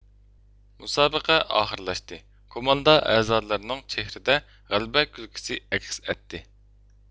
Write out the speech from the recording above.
مۇسابىقە ئاخىرلاشتى كوماندا ئەزالىرىنىڭ چېھرىدە غەلىبە كۈلكىسى ئەكس ئەتتى